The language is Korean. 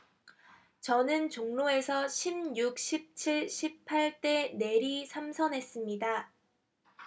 저는 종로에서 십 육 십 칠 십 팔 대 내리 삼선했습니다